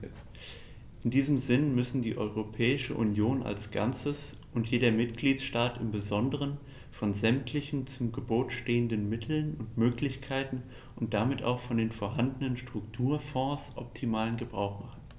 In diesem Sinne müssen die Europäische Union als Ganzes und jeder Mitgliedstaat im besonderen von sämtlichen zu Gebote stehenden Mitteln und Möglichkeiten und damit auch von den vorhandenen Strukturfonds optimalen Gebrauch machen.